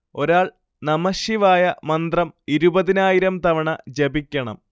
ഒരാൾ നമഃശിവായ മന്ത്രം ഇരുപതിനായിരം തവണ ജപിക്കണം